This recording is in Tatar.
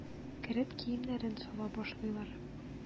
Кереп киемнәрен сала башлыйлар.